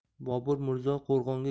bobur mirzo qo'rg'onga